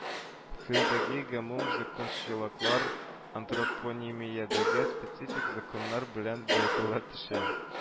Телдәге гомум закончалыклар, антропонимиядәге специфик законнар белән баетыла төшә